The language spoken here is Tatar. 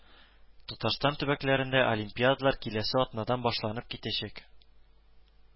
Татарстан төбәкләрендә олимпиадалар киләсе атнадан башланып китәчәк